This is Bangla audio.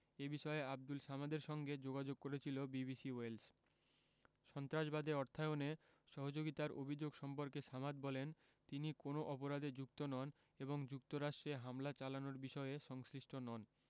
এ বিষয়ে আবদুল সামাদের সঙ্গে যোগাযোগ করেছিল বিবিসি ওয়েলস সন্ত্রাসবাদে অর্থায়নে সহযোগিতার অভিযোগ সম্পর্কে সামাদ বলেন তিনি কোনো অপরাধে যুক্ত নন এবং যুক্তরাষ্ট্রে হামলা চালানোর বিষয়ে সংশ্লিষ্ট নন